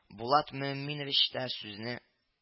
Булат Мөэминович та сүзне